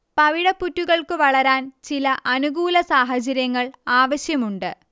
പവിഴപ്പുറ്റുകൾക്കു വളരാൻ ചില അനുകൂല സാഹചര്യങ്ങൾ ആവശ്യമുണ്ട്